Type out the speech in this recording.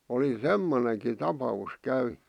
oli semmoinenkin tapaus käynyt